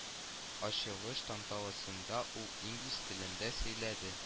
Ачылыш тантанасында ул инглиз телендә сөйләде